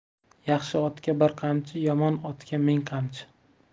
yaxshi otga bir qamchi yomon otga ming qamchi